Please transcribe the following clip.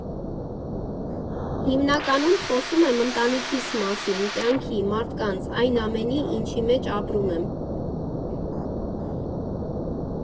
Հիմնականում խոսում եմ ընտանիքիս մասին, կյանքի, մարդկանց, այն ամենի, ինչի մեջ ապրում եմ։